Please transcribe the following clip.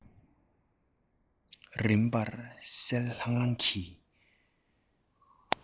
རིམ པར གསལ ལྷང ལྷང གི